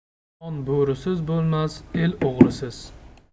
qo'ton bo'risiz bo'lmas el o'g'risiz